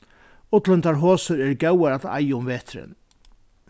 ullintar hosur eru góðar at eiga um veturin